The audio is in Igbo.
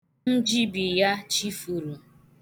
Njibi ya chifuru.